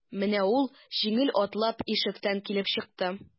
Менә ул җиңел атлап ишектән килеп чыкты.